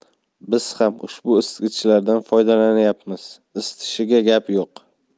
biz ham ushbu isitgichlardan foydalanyapmiz isitishiga gap yo'q